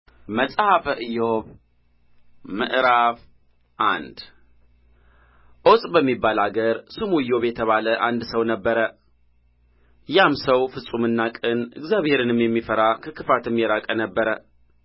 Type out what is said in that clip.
መጽሐፈ ኢዮብ ምዕራፍ አንድ ዖፅ በሚባል አገር ስሙ ኢዮብ የተባለ አንድ ሰው ነበረ ያም ሰው ፍጹምና ቅን እግዚአብሔርንም የሚፈራ ከክፋትም የራቀ ነበረ